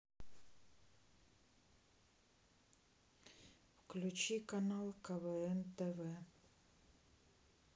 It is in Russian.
включи канал квн тв